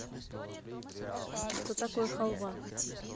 что такое халва